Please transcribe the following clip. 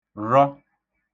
rọ